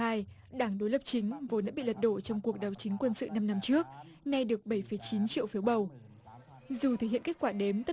thái đảng đối lập chính vốn đã bị lật đổ trong cuộc đảo chính quân sự nhằm năm trước nay được bảy phẩy chín triệu phiếu bầu dù thực hiện kết quả đếm tất